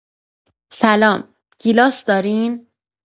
سلام، گیلاس دارین؟